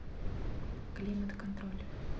климат контроль